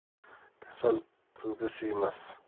kasal kulgi suymas